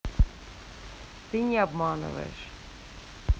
ты не обманываешь